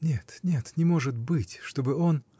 Нет, нет, не может быть, чтобы он.